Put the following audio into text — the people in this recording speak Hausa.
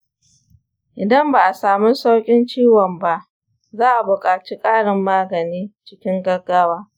idan ba a samu sauƙin ciwon ba, za a buƙaci ƙarin magani cikin gaggawa.